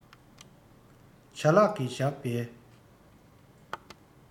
བྱ གླག གིས བཞག པའི